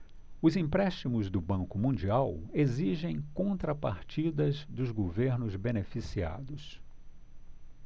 os empréstimos do banco mundial exigem contrapartidas dos governos beneficiados